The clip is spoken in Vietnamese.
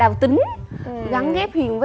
đào tấn ngắn ghép hiền